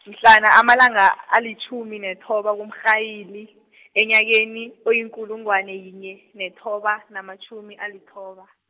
mhlana amalanga alitjhumi nethoba kuMrhayili , enyakeni, oyikulungwana yinye, nethoba, namatjhumi alithoba.